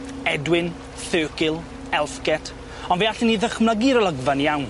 Edwin, Thurkill, Elfget on' fe allen ni ddychmygu'r olygfa'n iawn.